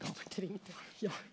fortrengt ja.